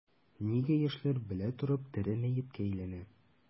Нигә яшьләр белә торып тере мәеткә әйләнә?